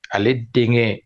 Ale denkɛ